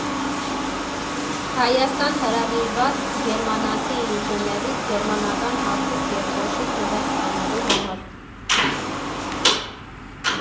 Հայաստան հրավիրված գերմանացի ինժեներից գերմանական հագուստ և կոշիկ նվեր ստանալու համար։